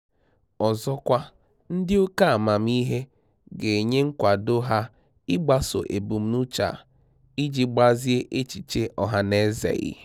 Ọzọkwa, ndị oke amamiihe ga-enye nkwado ha ịgbaso ebumnuche a, iji gbazie echiche ọhanaeze.